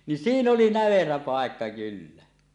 niin siinä oli näverä paikka kyllä